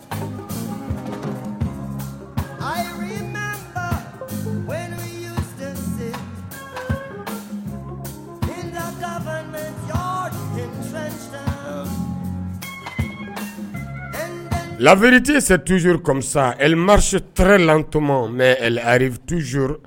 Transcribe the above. Labiriti se tuzomisa alimari t latomɔ mɛ tu